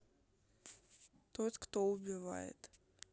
тот кто убивает